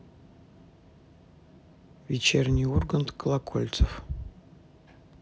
вечерний ургант колокольцев